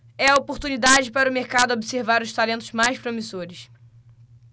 é a oportunidade para o mercado observar os talentos mais promissores